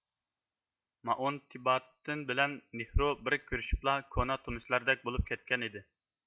مائونتباتتىن بىلەن نىھرۇ بىر كۆرۈشۈپلا كونا تونۇشلاردەك بولۇپ كەتكەن ئىدى